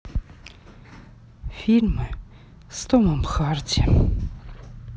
фильмы с томом харди